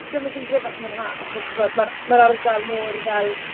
Gymaint yn gryfach yn yr haf, achos timod, ma'r ardal mor fel...